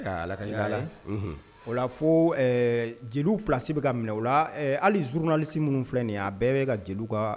Allah ka hinɛ a la, unhun, o la fo jeliw place bɛ ka minɛ u la , o la hali zurununalisi minnu filɛ nin ye, a bɛɛ bɛ ka jeliw ka